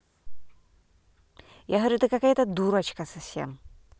я говорю ты какая то дурочка совсем